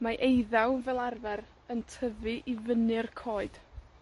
Mae eiddaw fel arfer yn tyfu i fyny'r coed.